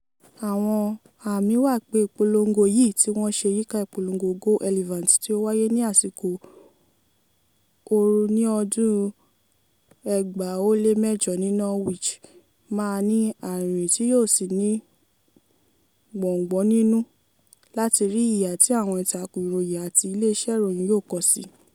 Àwọn àmì wà pé ìpolongo yìí - tí wọ́n ṣe yíká ìpolongo Go Elephants tí ó wáyé ní àsìkò ooru ní ọdún 2008 ní Norwich - máa ní arinrin tí yóò sì ní gbọ́n gbọ́n nínú láti rí ìhà tí àwọn ìtàkùn ìròyìn àti ilé iṣẹ́ ìròyìn yóò kọ si.